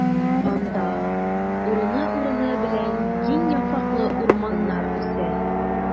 Анда урыны-урыны белән киң яфраклы урманнар үсә.